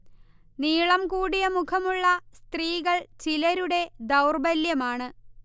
നീളം കൂടിയ മുഖമുള്ള സ്ത്രീകൾ ചിലരുടെ ദൌർബല്യമാണ്